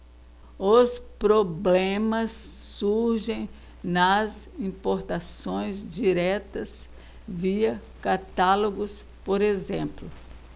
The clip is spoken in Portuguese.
os problemas surgem nas importações diretas via catálogos por exemplo